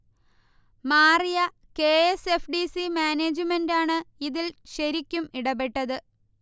മാറിയ K. S. F. D. C. മാനേജ്മെന്റാണു ഇതിൽ ശരിക്കും ഇടപെട്ടത്